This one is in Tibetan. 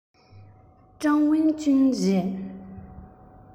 ཀྲང ཝུན ཅུན རེད